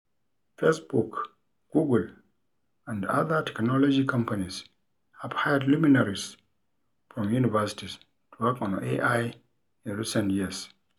Facebook, Google and other technology companies have hired luminaries from universities to work on AI in recent years.